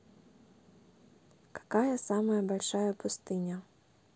какая самая большая пустыня